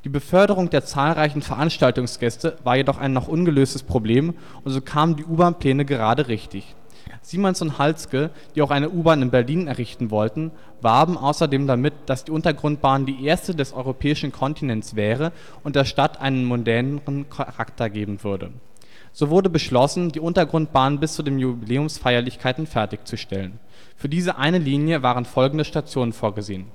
Beförderung der zahlreichen Veranstaltungsgäste war jedoch ein noch ungelöstes Problem, und so kamen die U-Bahn-Pläne gerade richtig. Siemens & Halske, die auch eine U-Bahn in Berlin errichten wollten, warben außerdem damit, dass die Untergrundbahn die erste des europäischen Kontinents wäre und der Stadt einen mondäneren Charakter geben würde. So wurde beschlossen, die Untergrundbahn bis zu den Jubiläumsfeierlichkeiten fertigzustellen. Für diese eine Linie waren folgenden Stationen vorgesehen